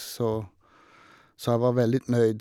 så Så jeg var veldig nöjd.